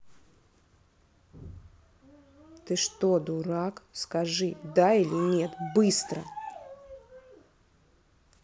ты что дурак скажи да или нет быстро